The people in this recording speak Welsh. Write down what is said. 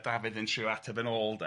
...a Dafydd yn trio ateb yn ôl de.